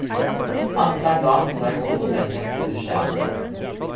allar dáturnar kunnu leggjast inn í skjalið